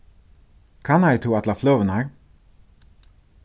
kannaði tú allar fløgurnar